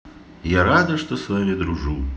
я рада что с вами дружу